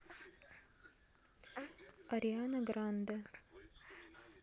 ариана гранде